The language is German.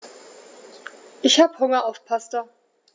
Ich habe Hunger auf Pasta.